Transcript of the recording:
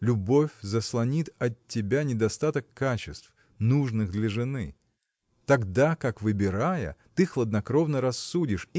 Любовь заслонит от тебя недостаток качеств, нужных для жены. Тогда как выбирая ты хладнокровно рассудишь